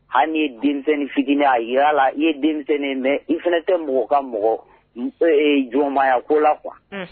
Hali ye denmisɛnnin f a jira a la i ye denmisɛnnin mɛn i fana tɛ mɔgɔ ka mɔgɔ jɔnmaya ko la kuwa